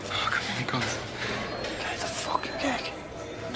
O come on cont. Cau dy ffycin geg.